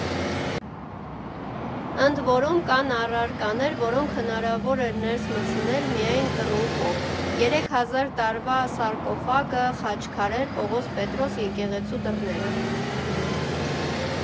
Ընդ որում, կան առարկաներ, որոնք հնարավոր էր ներս մտցնել միայն կռունկով՝ երեք հազար տարվա սարկոֆագը, խաչքարեր, Պողոս֊Պետրոս եկեղեցու դռները…